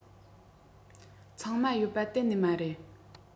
ཚང མ ཡོད པ གཏན ནས མ རེད